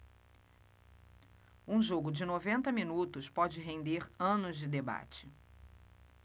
um jogo de noventa minutos pode render anos de debate